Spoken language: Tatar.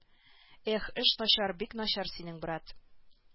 Эх эш начар бик начар синең брат